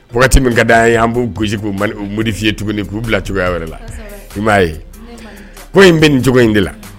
Wagati min ka di' a ye an b'u gosisi modi f fiye tuguni k'u bila cogoyaya yɛrɛ la i m'a ye ko in bɛ nin cogo in de la